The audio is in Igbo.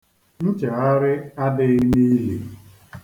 Nchegharị adịghị n'ili.